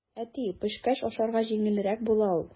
Әти, пешкәч ашарга җиңелрәк була ул.